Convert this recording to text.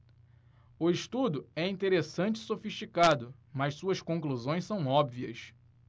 o estudo é interessante e sofisticado mas suas conclusões são óbvias